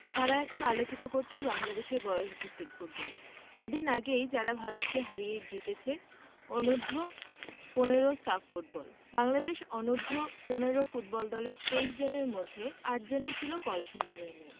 তারা এখন আলোকিত করছে বাংলাদেশের বয়সভিত্তিক ফুটবল কদিন আগেই যারা ভারতকে হারিয়ে জিতেছে অনূর্ধ্ব ১৫ সাফ ফুটবল বাংলাদেশ অনূর্ধ্ব ১৫ ফুটবল দলের ২৩ জনের মধ্যে ৮ জনই ছিল কলসিন্দুরের মেয়ে